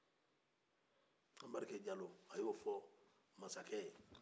anbarike jalo a ye o fɔ masakɛ ye